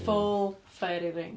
Full fairy ring.